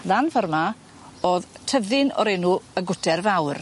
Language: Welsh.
Lan ffor 'ma o'dd tyddyn o'r enw y Gwter Fawr.